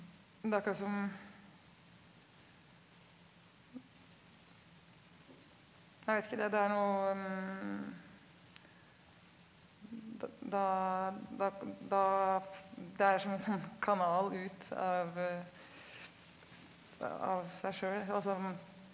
det er akkurat som nei vet ikke det det er noe da da da det er som en sånn kanal ut av av av seg sjøl altså.